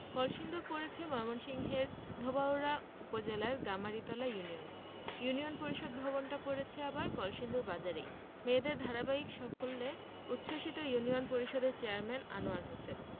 কলসিন্দুর পড়েছে ময়মনসিংহের ধোবাউড়া উপজেলার গামারিতলা ইউনিয়নে ইউনিয়ন পরিষদ ভবনটা পড়েছে আবার কলসিন্দুর বাজারেই মেয়েদের ধারাবাহিক সাফল্যে উচ্ছ্বসিত ইউনিয়ন পরিষদের চেয়ারম্যান আনোয়ার হোসেন